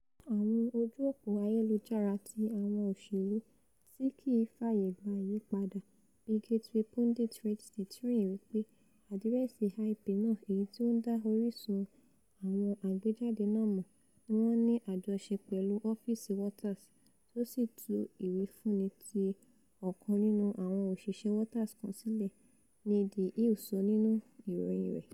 Àwọn ojú-òpò ayelujara ti àwọn òṣèlu tí kìí fààyègba-ìyípadà bíi Gateway Pundit RedState ròyìn wí pé àdírẹ́sì IP náà èyití ó ńdá orísun àwọn àgbéjáde náà mọ̀ ní wọ́n ní àjọṣe pẹ̀lú ọ́fíìsì Waters tí o sì tú ìwífúnni ti ọ̀kan nínú àwọn òsìṣẹ́ Waters kan sílẹ̀, ni The Hill sọ níhú l̀ròyìn rẹ̀.